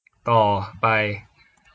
ต่อไป